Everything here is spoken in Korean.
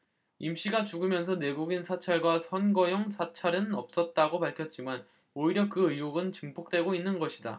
임씨가 죽으면서 내국인 사찰과 선거용 사찰은 없었다고 밝혔지만 오히려 그 의혹은 증폭되고 있는 것이다